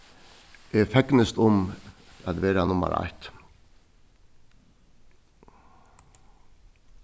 eg fegnist um at vera nummar eitt